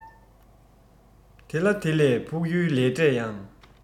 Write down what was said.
དེ ལ དེ ལས ཕུགས ཡུལ ལས འབྲས ཡང